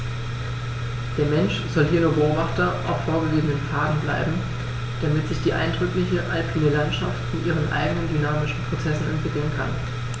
Der Mensch soll hier nur Beobachter auf vorgegebenen Pfaden bleiben, damit sich die eindrückliche alpine Landschaft in ihren eigenen dynamischen Prozessen entwickeln kann.